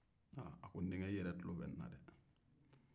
a ko n denkɛ i yɛrɛ tulo bɛ nin na dɛ